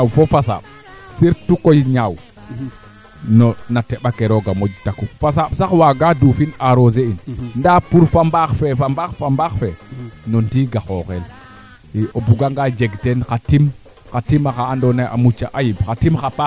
d' accord i numtu wiida nga grand Ndane i ndeet looxa ye aussi no camano keeke i ndef na xa axa xeene manam varieté keene des fois jafeñatoyo pour xoxoox we a nga'a deno yo a ndaawa deno yo boo est ce que naange ata nuun jafe jafe na tuup yaate fadiid na